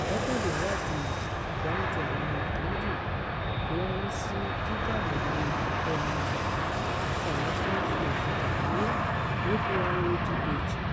Àbájade ìwádìí Àgbáríjọ àwọn ọmọ Burundi tó ń rí sí dídábòòbo ẹ̀tọ́ ọmọniyàn àti àwọn tí wọ́n fi òfin dè mọ́lẹ̀ (APRODH)